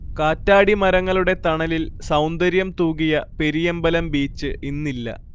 കാറ്റാടിമരങ്ങളുടെ തണലിൽ സൗന്ദര്യം തൂകിയ പെരിയമ്പലം ബീച്ച് ഇന്നില്ല